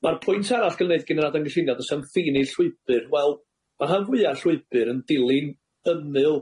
Ma'r pwynt arall ga'l 'i neud gan yr Adran Gynllunio, 'do's 'a'm ffin i'r llwybyr. Wel ma'r rhan fwya'r llwybyr yn dilyn ymyl